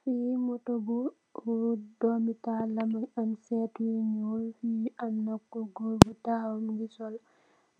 Fee motou bu dome tahal la muge am setou yu nuul fee amna goor bu tahaw muge sol